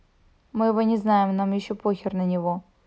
мы его не знаем нам еще похер на него